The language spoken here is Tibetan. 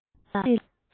རྩོམ རིག ལ